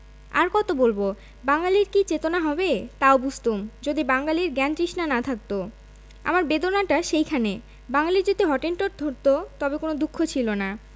আর কত বলব বাঙালীর কি চেতনা হবে তাও বুঝতুম যদি বাঙালীর জ্ঞানতৃষ্ণা না থাকত আমার বেদনাটা সেইখানে বাঙালী যদি হটেনটট হত তবে কোন দুঃখ ছিল না